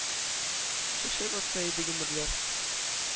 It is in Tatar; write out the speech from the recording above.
Чәчәк атса иде гомерләр.